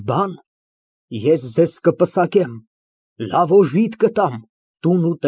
ԲԱԳՐԱՏ ֊ Երեկույթում միայն ինժեներներ են լինելու։ Դու այնտեղ չես տեսնիլ ոչ պորտֆելի և ոչ ռուբլու հերոսներին, այսինքն՝ ոչ իրավաբաններին և ոչ բժիշկներին։